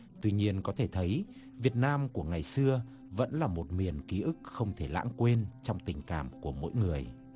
tuy nhiên có thể thấy việt nam của ngày xưa vẫn là một miền ký ức không thể lãng quên trong tình cảm của mỗi người